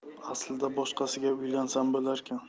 aslida boshqasiga uylansam bo'larkan